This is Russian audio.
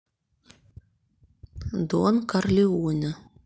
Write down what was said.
дон корлеоне